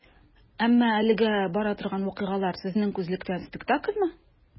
Әмма әлегә бара торган вакыйгалар, сезнең күзлектән, спектакльмы?